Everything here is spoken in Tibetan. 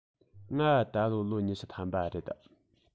ང ད ལོ ལོ ཉི ཤུ ཐམ པ རེད